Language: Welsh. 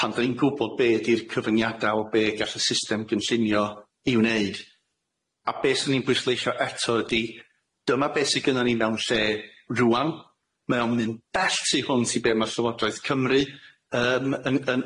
pan dan ni'n gwbod be' ydi'r cyfyngiada o be' gall y system gynllunio i wneud a be' swn i'n bwysleisio eto ydi dyma be' sy gynnon ni mewn lle rŵan mae o'n myn' bell tu hwnt i be' ma' Llywodraeth Cymru yym yn yn